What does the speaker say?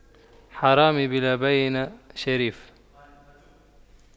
حرامي بلا بَيِّنةٍ شريف